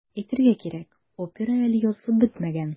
Әйтергә кирәк, опера әле язылып бетмәгән.